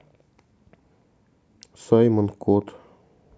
саймон кот